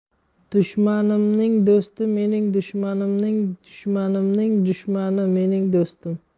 dushjmanimning do'sti mening dushmanim dushmanimning dushmani mening do'stim